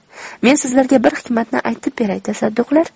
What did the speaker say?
men sizlarga bir hikmatni aytib beray tasadduqlar